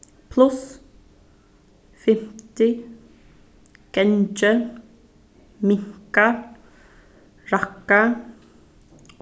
pluss fimmti gangi minka rakka